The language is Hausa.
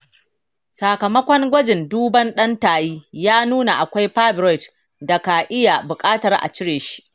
sakamakon gwajin duban dan tayi ya nuna akwai fibroid da ka iya buƙatar a cire shi.